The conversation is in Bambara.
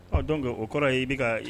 Ɔ dɔnke o kɔrɔ ye i bɛ ka